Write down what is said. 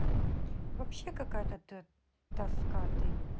вообще какая то тоска ты